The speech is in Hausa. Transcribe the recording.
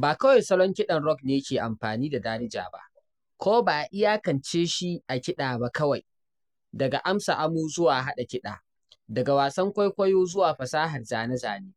Ba kawai salon kiɗan rock ne ke amfani da Darija ba, kuma ba a iyakance shi a kiɗa ba kawai: daga amsa amo zuwa haɗa kiɗa, daga wasan kwaikwayo zuwa fasahar zane-zane,